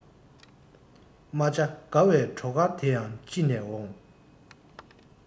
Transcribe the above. རྨ བྱ དགའ བའི བྲོ གར དེ ཡང ཅི ནས འོང